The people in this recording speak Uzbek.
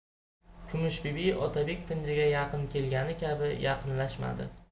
kumushbibi otabek pinjiga yaqin kelgani kabi yaqinlashmadi